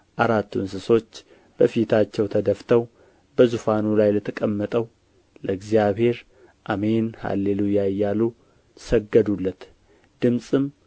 አራቱ እንስሶች በፊታቸው ተደፍተው በዙፋኑ ላይ ለተቀመጠው ለእግዚአብሔር አሜን ሃሌ ሉያ እያሉ ሰገዱለት ድምፅም